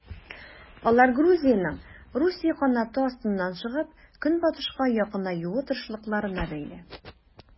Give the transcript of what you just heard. Алар Грузиянең Русия канаты астыннан чыгып, Көнбатышка якынаю тырышлыкларына бәйле.